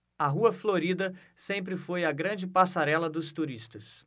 a rua florida sempre foi a grande passarela dos turistas